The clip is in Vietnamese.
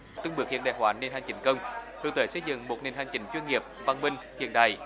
từng bước hiện đại hóa nền hành chính công hướng tới xây dựng một nền hành chính chuyên nghiệp văn minh hiện đại